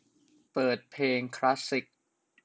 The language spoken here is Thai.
เปิดเพลงคลาสสิค